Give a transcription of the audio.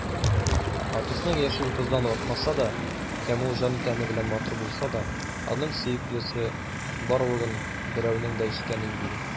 Атосның яше утыздан артмаса да һәм ул җаны-тәне белән матур булса да, аның сөеклесе барлыгын берәүнең дә ишеткәне юк иде.